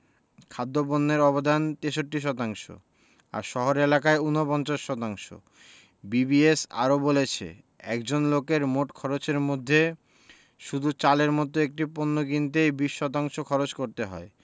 খাদ্যপণ্যের অবদান ৬৩ শতাংশ আর শহর এলাকায় ৪৯ শতাংশ বিবিএস আরও বলছে একজন লোকের মোট খরচের মধ্যে শুধু চালের মতো একটি পণ্য কিনতেই ২০ শতাংশ খরচ করতে হয়